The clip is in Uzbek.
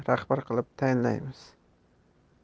rahbar qilib tayinlaymiz